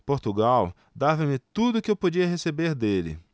portugal dava-me tudo o que eu podia receber dele